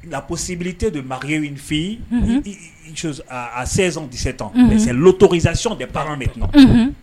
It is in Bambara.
La ko sibite don makɛ fɛ a sɛson dese tɔn tzsɔnɔn tɛ baarame tun